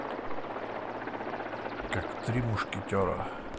как три мушкетера